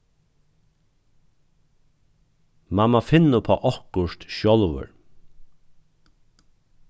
mann má finna upp á okkurt sjálvur